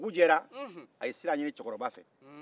dugu jɛlen a ye sira ɲini cɛkɔrɔba fɛ